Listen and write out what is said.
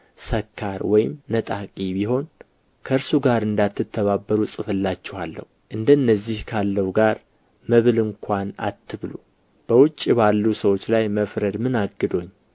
ሰካር ወይም ነጣቂ ቢሆን ከእርሱ ጋር እንዳትተባበሩ እጽፍላችኋለሁ እንደነዚህ ካለው ጋር መብል እንኳን አትብሉ በውጭ ባሉ ሰዎች ላይ መፍረድ ምን አግዶኝ